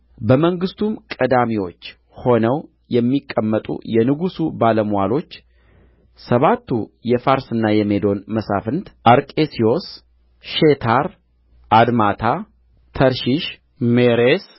በመንግሥቱም ቀዳሚዎች ሆነው የሚቀመጡ የንጉሡ ባለምዋሎች ሰባቱ የፋርስና የሜዶን መሳፍንት አርቄስዮስ ሼታር አድማታ ተርሺሽ ሜሬስ